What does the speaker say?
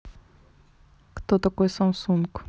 кто такой samsung